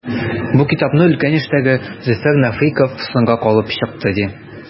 Бу китапны өлкән яшьтәге Зөфәр Нәфыйков “соңга калып” чыкты, ди.